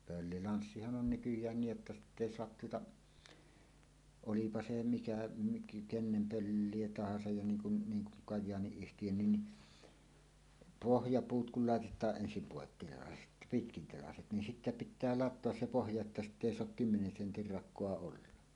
pöllilanssihan on nykyään niin jotta sitten ei saa tuota olipa se mikä - kenen pölliä tahansa ja niin kuin niin kuin Kajaani-yhtiönkin niin pohjapuut kun laitetaan ensin poikkitelaiset pitkätelaiset niin sitten pitää latoa se pohja että sitten ei saa kymmenen sentin rakoa olla